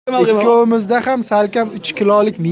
ikkovimizda ham salkam uch kilolik